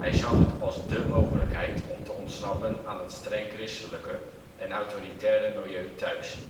zag het als de mogelijkheid om te ontsnappen aan het streng-christelijke en autoritaire milieu thuis